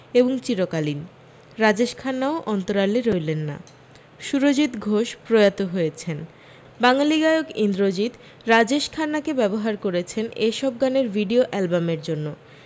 এবং চিরকালীন রাজেশ খান্নাও অন্তরালে রইলেন না সুরজিত ঘোষ প্রয়াত হয়েছেন বাঙালী গায়ক ইন্দ্রজিত রাজেশ খান্নাকে ব্যবহার করেছেন এই সব গানের ভিডিও অ্যালবামের জন্য